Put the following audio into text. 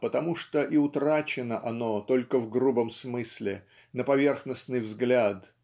потому что и утрачено оно только в грубом смысле на поверхностный взгляд